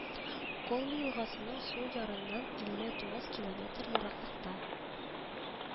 Колва елгасының сул ярыннан илле тугыз километр ераклыкта